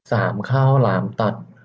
สามข้าวหลามตัด